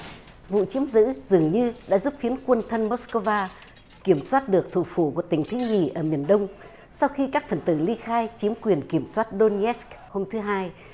vụ chiếm giữ dường như đã giúp phiến quân thân mốt sít cơ va kiểm soát được thủ phủ của tỉnh thứ nhì ở miền đông sau khi các phần tử ly khai chiếm quyền kiểm soát đô ni ét hôm thứ hai